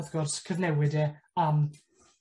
wrth gwrs cyfnewid e am